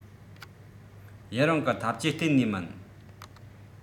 ཡུན རིང གི ཐབས ཇུས གཏན ནས མིན